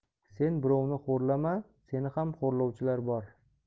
sen birovni xo'rlama seni ham xo'rlovchilar bor